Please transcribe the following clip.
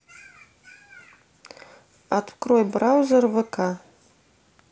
открой браузер вк